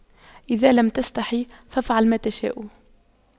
اذا لم تستحي فأفعل ما تشاء